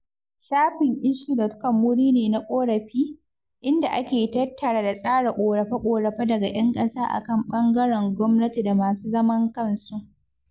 Shafin Ishki.com wuri ne na ƙorafi, inda ake tattara da tsara ƙorafe-ƙorafe daga 'yan ƙasa a kan ɓangaren gwamnati da masu zaman kansu.